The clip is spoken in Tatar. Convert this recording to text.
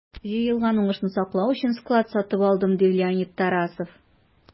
Җыелган уңышны саклау өчен склад сатып алдым, - ди Леонид Тарасов.